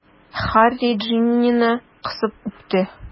Һарри Джиннины кысып үпте.